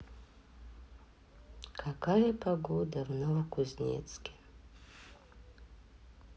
какая погода в новокузнецке